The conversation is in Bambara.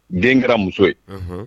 Den kɛra muso ye